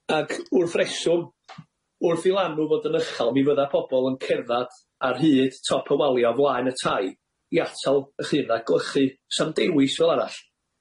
Ac wrth reswm, wrth i lanw fod yn ychal, mi fydda pobol yn cerddad ar hyd top y walia' o flaen y tai, i atal 'ych hun rhag glychu. 'Sa'm dewis fel arall.